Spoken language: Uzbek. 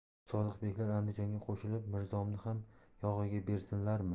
sodiq beklar andijonga qo'shib mirzomni ham yog'iyga bersinlarmi